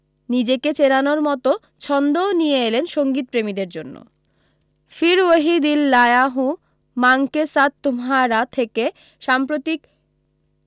নিজেকে চেনানোর মতো ছন্দও নিয়ে এলেন সঙ্গীত প্রেমীদের জন্য ফির ওহি দিল লায়া হুঁ মাঙ্গকে সাথ তুমহারা থেকে সাম্প্রতিক